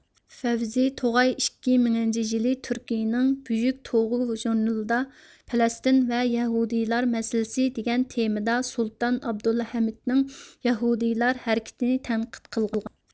فەۋزى توغاي ئىككى مىڭىنچى يىلى تۈركىيىنىڭ بۈيۈك توغۇ ژۇرنىلىدا پەلەستىن ۋە يەھۇدىيلار مەسىلىسى دېگەن تېمىدا سۇلتان ئابدۇلھەمىدنىڭ يەھۇدىيلار ھەرىكىتىنى تەنقىد قىلغان